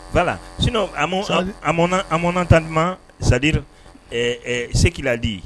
Bala sino a mɔn tantuma sadiri segkiladi